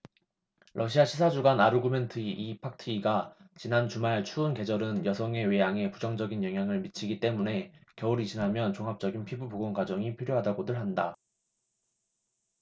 러시아 시사주간 아르구멘트이 이 팍트이가 지난 주말 추운 계절은 여성의 외양에 부정적인 영향을 미치기 때문에 겨울이 지나면 종합적인 피부 복원 과정이 필요하다고들 한다